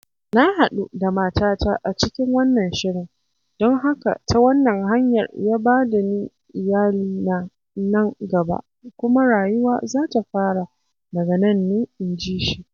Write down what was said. Na haɗu da matata a cikin wannan shirin, don haka ta wannan hanyar ya ba ni iyalina na nan gaba, kuma rayuwa za ta fara daga nan ne,' inji shi.